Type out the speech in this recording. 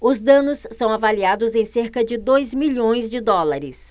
os danos são avaliados em cerca de dois milhões de dólares